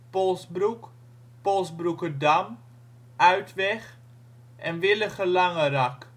Polsbroek, Polsbroekerdam, Uitweg en Willige Langerak